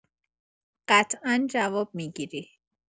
قطعا جواب می‌گیری